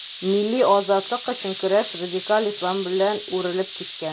Милли азатлык өчен көрәш радикаль ислам белән үрелеп киткән.